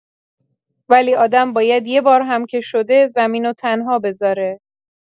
ولی آدم باید یه بار هم که شده زمینو تنها بذاره.